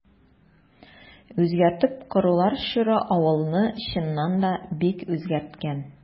Үзгәртеп корулар чоры авылны, чыннан да, бик үзгәрткән.